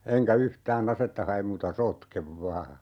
enkä yhtään asetta hae muuta sotken vain